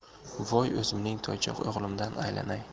voy o'zimning toychoq o'g'limdan aylanay